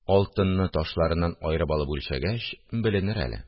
Алтынны ташларыннан аерып алып үлчәгәч беленер әле